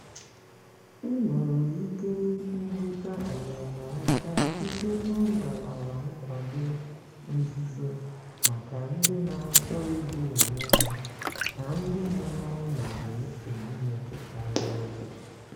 I nwere ike nweta enyemaka site na ngalaba nkwado nzuzo maka ndị na-achọ igbu onwe ha na ndị nọ n'ọnọdụ nsogbu metụtara obi.